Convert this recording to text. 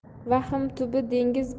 vahm tubi dengiz